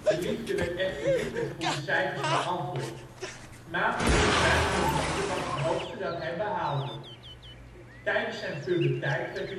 liefde werd echter niet met goede cijfers beantwoord: ' matig ' tot ' ruim voldoende ' was het hoogste dat hij behaalde). Tijdens zijn puberteit werd